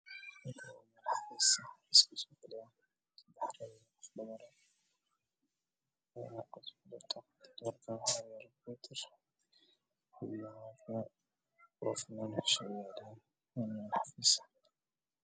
Waa islaan wadata dhar madow ah